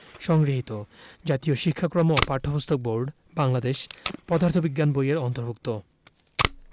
সংগৃহীত জাতীয় শিক্ষাক্রম ও পাঠ্যপুস্তক বোর্ড বাংলাদেশ পদার্থ বিজ্ঞান বই এর অন্তর্ভুক্ত